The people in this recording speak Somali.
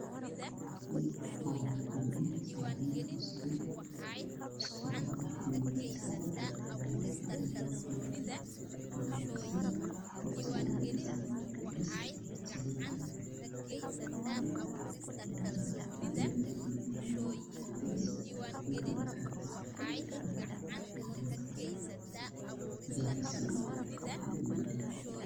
Waxaa ii muuqda qol jiif ah oo midabkiisu yahay dambas go'a saaran uu yahay dambas